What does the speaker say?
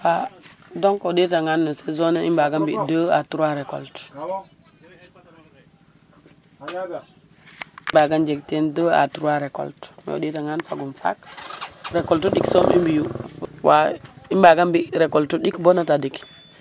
A donc o ɗeetangan no saison ne i mba mbi' 2 a 3 recoltes waaga njeg teen 2 a 3 recoltes mais o ɗeetangan fagun faak recoltes ɗik soom i mbiyu wa i mbaaga mbi reclolte ɗik bo na tadik.